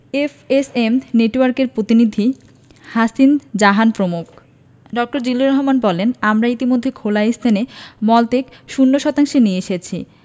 FSM নেটওয়ার্কের প্রতিনিধি হাসিন জাহান প্রমুখ ড. বলেন জিল্লুর রহমান আমরা ইতিমধ্যে খোলা স্থানে মলত্যাগ শূন্য শতাংশে নিয়ে এসেছি